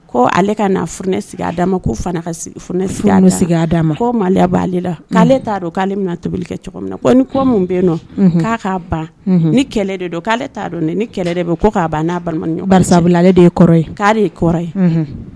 Ko ale kaa funɛɛ sigi d'a ma k' fana f f d'a ma ko ma b'ale la k'ale t'a dɔn k'ale bɛna tobili kɛ cogo min na ni ko min bɛ yen nɔn k'a'a ban ni kɛlɛ de don k'ale t'a dɔn ni kɛlɛ bɛ k'a ban n'a ale de ye kɔrɔ ye k'ale de ye kɔrɔ ye